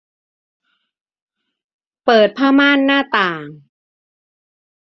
เปิดผ้าม่านหน้าต่าง